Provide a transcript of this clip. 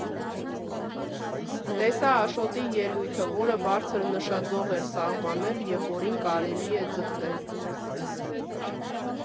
Տեսա Աշոտի ելույթը, որը բարձր նշաձող էր սահմանել և որին կարելի է ձգտել։